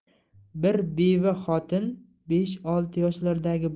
bir beva xotin besh olti yoshlardagi